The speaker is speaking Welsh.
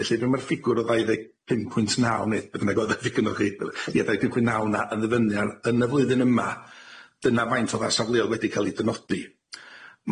Felly dyma'r ffigwr o ddau ddeg pum pwynt naw ne' be bynnag o'dd y ffigwr gynnoch chi yy ia dau ddeg pum pwynt naw 'na yn ddibynnu ar yn y flwyddyn yma dyna faint o'dd ar safleodd wedi ca'l 'i dynodi.